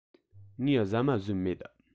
ངས ཟ མ ཟོས མེད